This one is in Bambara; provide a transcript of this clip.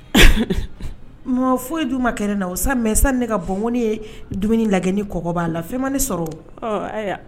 Mama foyi dun ma kɛ ne la o sani ne ka bɔ ne ye dumuni lajɛ ni kɔgɔ b'a la fɛn ma ne sɔrɔ